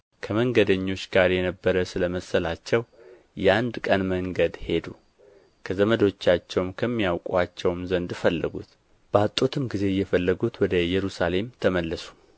ከመንገደኞች ጋር የነበረ ስለ መሰላቸው የአንድ ቀን መንገድ ሄዱ ከዘመዶቻቸውም ከሚያውቋቸውም ዘንድ ፈለጉት ባጡትም ጊዜ እየፈለጉት ወደ ኢየሩሳሌም ተመለሱ